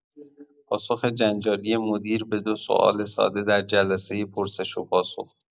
پاسخ جنجالی مدیر به دو سوال ساده در جلسه پرسش و پاسخ